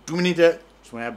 Dumuni tɛ son